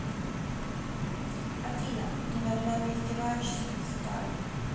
афина ты над нами издеваешься сталь